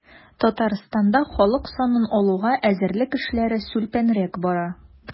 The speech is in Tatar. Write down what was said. Татарстанда халык санын алуга әзерлек эшләре сүлпәнрәк бара.